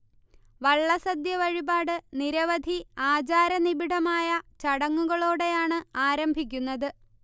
വള്ളസദ്യ വഴിപാട് നിരവധി ആചാര നിബിഡമായ ചടങ്ങുകളോടെയാണ് ആരംഭിക്കുന്നത്